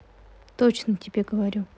точно тебе говорю